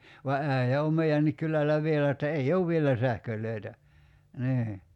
vaan äijä on meidänkin kylällä vielä että ei ole vielä sähköjä niin